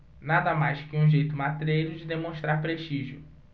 nada mais que um jeito matreiro de demonstrar prestígio